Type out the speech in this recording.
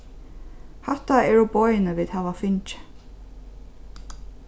hatta eru boðini vit hava fingið